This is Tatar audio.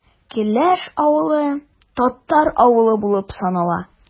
Келәш авылы – татар авылы булып санала.